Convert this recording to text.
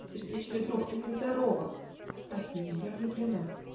- Сердечный друг, ты нездорова. "Оставь меня: я влюблена".